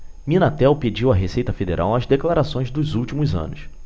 minatel pediu à receita federal as declarações dos últimos anos